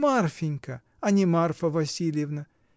Марфинька — а не Марфа Васильевна!